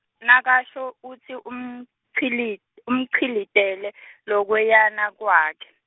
nakasho utsi umchili- umchilitele , lokweyana kwakhe.